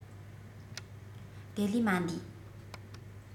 དེ ལས མ འདས